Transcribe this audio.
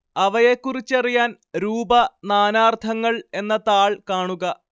അവയെക്കുറിച്ചറിയാൻ രൂപ നാനാർത്ഥങ്ങൾ എന്ന താൾ കാണുക